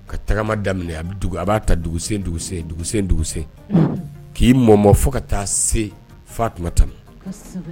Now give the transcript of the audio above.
Ka taama daminɛ,a b'i dɔgɔ. A b'a ta duguse, duguse, duguse, duguse. Unhun ! K'i mɔmɔ fo ka t'a se Fatumata ma. Kosɛbɛ!